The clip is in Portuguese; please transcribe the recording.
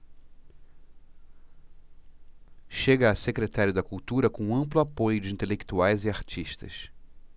chega a secretário da cultura com amplo apoio de intelectuais e artistas